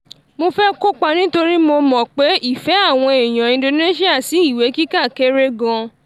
Mo fẹ́ kópa nítorí mo mọ̀ pé ìfẹ́ àwọn èèyàn Indonesia sí ìwé kíkà kéré gan.